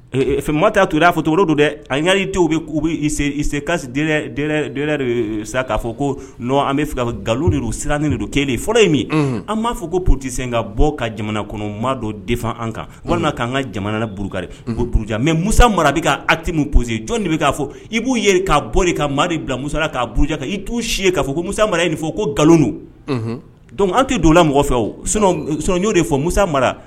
Ma ta tor'a fɔ toolo don dɛ a yali te bɛ k'use k'a fɔ ko nɔn an bɛ fɛ ka nkalon de siranni de don kelen fɔlɔ ye min an b'a fɔ ko pte sen ka bɔ ka jamana kɔnɔ maa dɔ defan an kan walima k'an ka jamana burukariri ko buruja mɛ musa mara bɛ ka akimu pose jɔn de bɛ k'a fɔ i b'u k'a bɔ de ka maa bila musa ka'auru kan i t'u si k'a fɔ ko musa mara in nin fɔ ko nkalon don an tɛ don mɔgɔ fɛ oo de fɔ musa mara